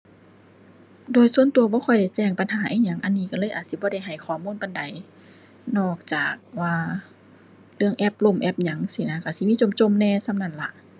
โดยส่วนตัวบ่ค่อยได้แจ้งปัญหาอิหยัง อันนี้ตัวเลยอาจสิบ่ได้ให้ข้อมูลปานใด นอกจากว่า เรื่องแอปล่มแอปหยังซี้นะ ตัวสิมีจ่มจ่มแหน่ส่ำนั่นล่ะ